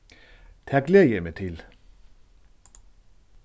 tað gleði eg meg til